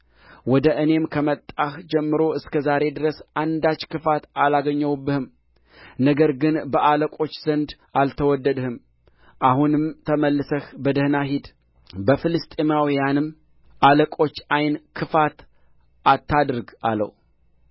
ወደ እኔም ከመጣህ ጀምሮ እስከ ዛሬ ድረስ አንዳች ክፋት አላገኘሁብህም ነገር ግን በአለቆች ዘንድ አልተወደድህም አሁንም ተመልሰህ በደኅና ሂድ በፍልስጥኤማውያንም አለቆች ዓይን ክፋት አታድርግ አለው